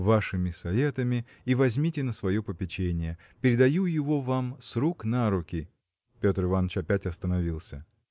вашими советами и возьмите на свое попечение передаю его вам с рук на руки. Петр Иваныч опять остановился.